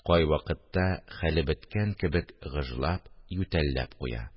Кайвакытта хәле беткән кебек гыжлап, ютәлләп куя